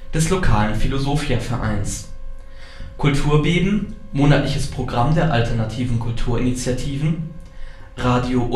des lokalen Philosophia-Vereins; Kulturbeben - monatl. Programm der alternativen Kultur-Initiativen; Radio